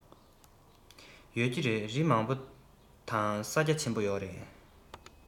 ཡོད ཀྱི རེད རི མང པོ དང ས རྒྱ ཆེན པོ རེད པ